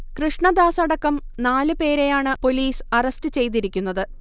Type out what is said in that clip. കൃഷ്ണദാസടക്കം നാല് പേരെയാണ് police arrest ചെയ്തിരിക്കുന്നത്